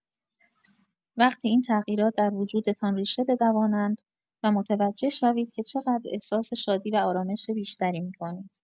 وقتی این تغییرات در وجودتان ریشه بدوانند و متوجه شوید که چقدر احساس شادی و ارامش بیشتری می‌کنید.